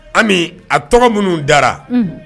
Ami a tɔgɔ minnu dara